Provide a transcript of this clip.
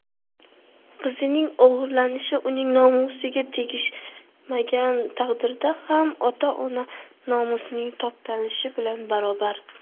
qizining o'g'irlanishi uning nomusiga tegishmagan taqdirda ham ota ona nomusining toptalishi bilan barobar